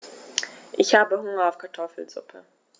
Ich habe Hunger auf Kartoffelsuppe.